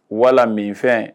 Wala minfɛn